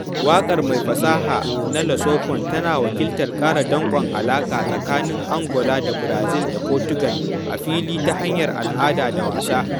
Waƙar mai fasaha na Lusophone tana wakiltar ƙara danƙon alaƙa tsakanin Angola da Brazil da Portugal - a fili ta hanyar al'ada da wasa.